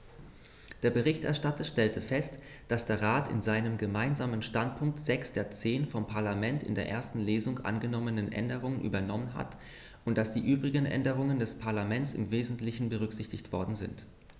Der Berichterstatter stellte fest, dass der Rat in seinem Gemeinsamen Standpunkt sechs der zehn vom Parlament in der ersten Lesung angenommenen Änderungen übernommen hat und dass die übrigen Änderungen des Parlaments im wesentlichen berücksichtigt worden sind.